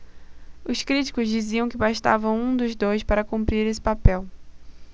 os críticos diziam que bastava um dos dois para cumprir esse papel